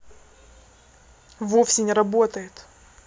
вовсе не работает